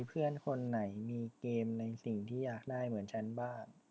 มีเพื่อนคนไหนมีเกมในสิ่งที่อยากได้เหมือนฉันบ้าง